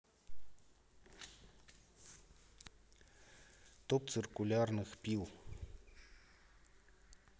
топ циркулярных пил